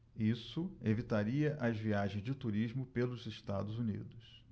isso evitaria as viagens de turismo pelos estados unidos